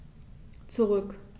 Zurück.